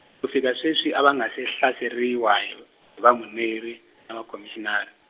ku fika sweswi a va nga se hlaseriwa , hi Vamuneri, na Khomixinari.